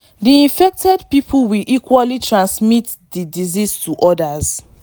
The infected people will equally transmit the disease to others.